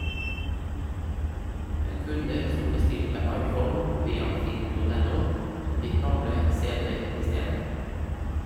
En kunde som bestilte iphone via finn.no fikk gamle cd-er i stedet.